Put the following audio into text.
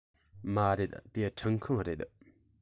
མ རེད དེ ཁྲུད ཁང རེད